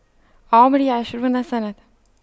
عمري عشرون سنة